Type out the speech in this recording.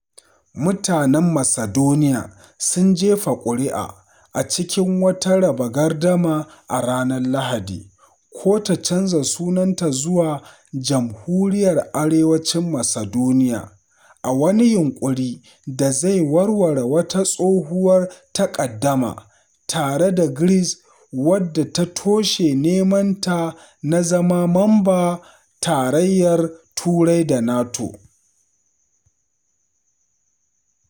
Mutanen Macedonia sun jefa kuri’a a cikin wata raba gardama a ranar Lahadi ko ta canza sunanta zuwa “Jamhuriyyar Arewacin Macedonia,” a wani yinƙuri da zai warware wata tsohuwar taƙaddama tare da Greece wadda ta toshe nemanta na zama mamba don Tarayyar Turai da NATO.